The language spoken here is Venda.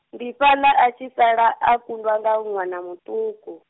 ndi fhaḽa a tshi sala a kundwa nga ṅwana muṱuku.